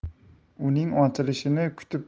uning ochilishini kutib